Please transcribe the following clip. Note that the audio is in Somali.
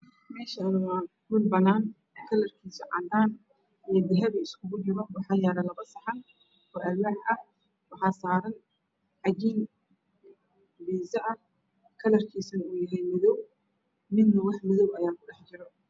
Meeshan waa dhul banan kalarkiisu cadaan iyo dahabi u iskugujiro waxaa yaalo laba saxan oo alwaax ah waxaa saran cajiin binsa ah kalarkisana yahay madow midna wax madoow ayaa ku dhexjiro